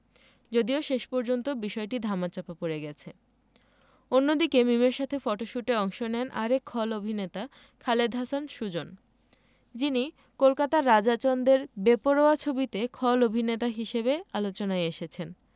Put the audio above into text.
যদিও শেষ পর্যন্ত বিষয়টি ধামাচাপা পড়ে গেছে অন্যদিকে মিমের সাথে ফটশুটে অংশ নেন আরেক খল অভিনেতা খালেদ হোসেন সুজন যিনি কলকাতার রাজা চন্দের বেপরোয়া ছবিতে খল অভিননেতা হিসেবে আলোচনায় এসেছেন